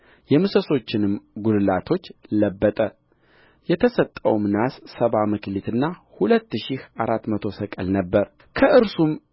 የምሰሶቹንም ጕልላቶች ለበጠ የተሰጠውም ናስ ሰባ መክሊትና ሁለት ሺህ አራት መቶ ሰቅል ነበረ ከእርሱም